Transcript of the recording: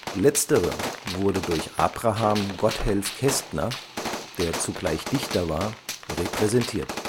Letztere wurde durch Abraham Gotthelf Kästner, der zugleich Dichter war, repräsentiert